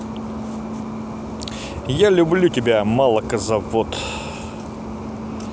я люблю тебя молокозавод